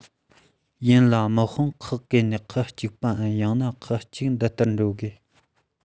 ཡིན ལ དམག དཔུང ཁག བགོས ནས ཁག ཅིག པའམ ཡང ན ཁག གཅིག འདི ལྟར འགྲོ དགོས